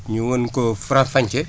ñu mën koo faram-fàccee